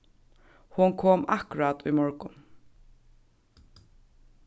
hon kom akkurát í morgun